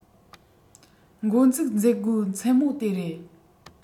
འགོ ཚུགས མཛད སྒོའི མཚན མོ དེ རེད